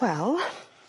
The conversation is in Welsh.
Wel